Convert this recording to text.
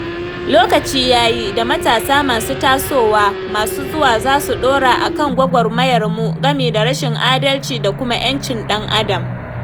Lokaci ya yi da matasa masu tasowa masu zuwa za su ɗora a kan gwagwarmayarmu game da rashin adalci da kuma 'yancin ɗan-adam.